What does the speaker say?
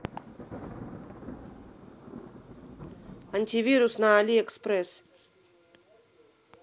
антивирус на алиэкспресс